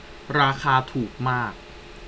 ราคาถูกมาก